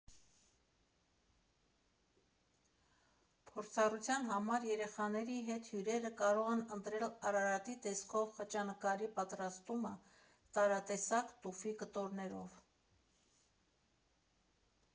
Փորձառության համար երեխաների հետ հյուրերը կարող են ընտրել Արարատի տեսքով խճանկարի պատրաստումը՝ տարատեսակ տուֆի կտորներով։